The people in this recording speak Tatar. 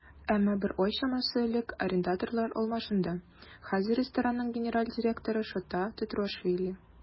Әмма бер ай чамасы элек арендаторлар алмашынды, хәзер ресторанның генераль директоры Шота Тетруашвили.